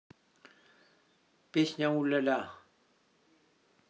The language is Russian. песня у ля ля